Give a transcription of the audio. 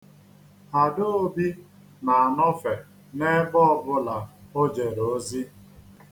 Adaobi na-anọfe n'ebe ọbụla o jere ozi.